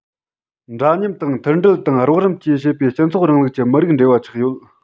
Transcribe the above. འདྲ མཉམ དང མཐུན སྒྲིལ དང རོགས རམ བཅས བྱེད པའི སྤྱི ཚོགས རིང ལུགས ཀྱི མི རིགས འབྲེལ བ ཆགས ཡོད